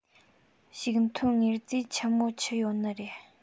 ཕྱུགས ཐོན དངོས རྫས ཆི མོ ཆི ཡོད ནི རེད